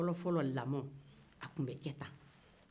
fɔlɔ fɔlɔ lamɔ tun be ke tan